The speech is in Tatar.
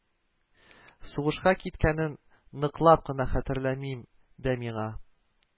Сугышка киткәнен ныклап кына хәтерләмим дә миңа